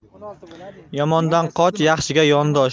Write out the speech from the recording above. yomondan qoch yaxshiga yondosh